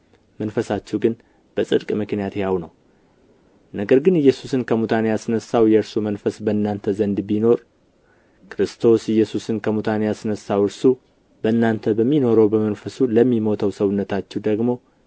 መንፈሳችሁ ግን በጽድቅ ምክንያት ሕያው ነው ነገር ግን ኢየሱስን ከሙታን ያስነሣው የእርሱ መንፈስ በእናንተ ዘንድ ቢኖር ክርስቶስ ኢየሱስን ከሙታን ያስነሣው እርሱ በእናንተ በሚኖረው በመንፈሱ ለሚሞተው ሰውነታችሁ ደግሞ